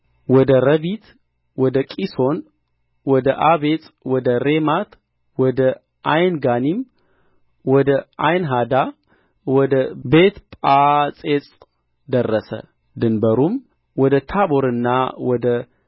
ወደ ረቢት ወደ ቂሶን ወደ አቤጽ ወደ ሬሜት ወደ ዓይንጋኒም ወደ ዓይንሐዳ ወደ ቤትጳጼጽ ደረሰ ድንበሩም ወደ ታቦርና ወደ